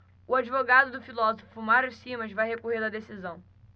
o advogado do filósofo mário simas vai recorrer da decisão